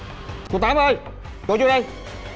cô tám ơi cô dô đây